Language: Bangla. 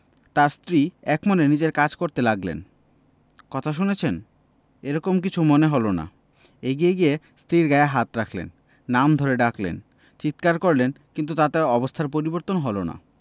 তাঁর স্ত্রী একমনে নিজের কাজ করতে লাগলেন কথা শুনেছেন এ রকম কিছু মনে হলো না এগিয়ে গিয়ে স্ত্রীর গায়ে হাত রাখলেন নাম ধরে ডাকলেন চিৎকার করলেন কিন্তু তাতে অবস্থার পরিবর্তন হলো না